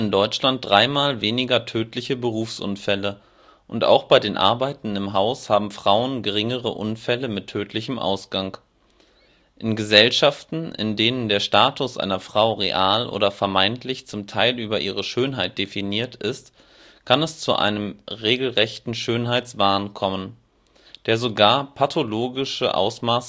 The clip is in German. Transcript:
Deutschland dreimal weniger tödliche Berufsunfälle und auch bei den Arbeiten im Haus haben Frauen geringere Unfälle mit tödlichem Ausgang. In Gesellschaften, in denen der Status einer Frau real oder vermeintlich zum Teil über ihre Schönheit definiert ist, kann es zu einem regelrechten " Schönheitswahn " kommen, der sogar pathologische Ausmaße